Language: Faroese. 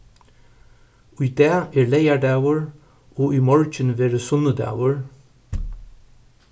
í dag er leygardagur og í morgin verður sunnudagur